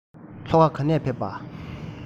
ལྷོ ཁ ག ནས ཕེབས པ